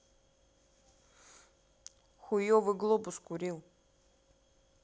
хуевый глобус курил